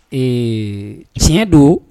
Ee tiɲɛ don